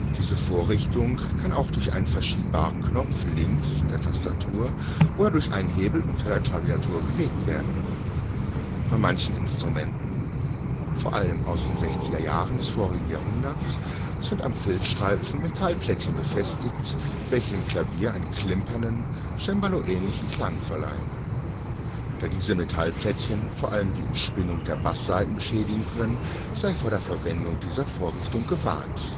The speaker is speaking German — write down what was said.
Diese Vorrichtung kann auch durch einen verschiebbaren Knopf links der Klaviatur oder durch einen Hebel unter der Klaviatur bewegt werden. Bei manchen Instrumenten (vor allem aus den 60er Jahren des vorigen Jahrhunderts) sind am Filzstreifen Metallplättchen befestigt, welche dem Klavier einen klimpernden, Cembalo-ähnlichen Klang verleihen. Da diese Metallplättchen vor allem die Umspinnung der Basssaiten beschädigen können, sei vor der Verwendung dieser Vorrichtung gewarnt